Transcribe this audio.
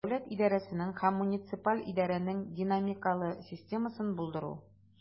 Дәүләт идарәсенең һәм муниципаль идарәнең динамикалы системасын булдыру.